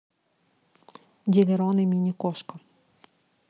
делерон и мини кошка